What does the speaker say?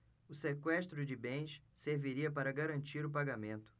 o sequestro de bens serviria para garantir o pagamento